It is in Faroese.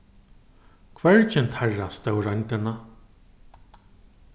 hvørgin teirra stóð royndina